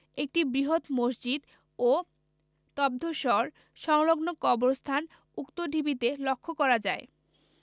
একটি বৃহৎ মসজিদ ও তদ্ধসঢ় সংলগ্ন কবরস্থান উক্ত ঢিবিতে লক্ষ্য করা যায়